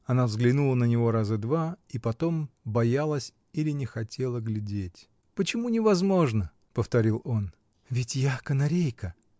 Она взглянула на него раза два и потом боялась или не хотела глядеть. — Почему невозможно? — повторил он. — Ведь я — канарейка!